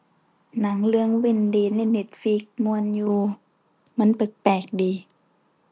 หนังเรื่อง Wednesday ใน Netflix ม่วนอยู่ มันแปลกแปลกดี